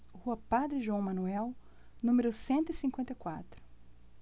rua padre joão manuel número cento e cinquenta e quatro